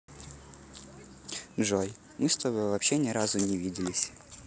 джой мы с тобой вообще ни разу не виделись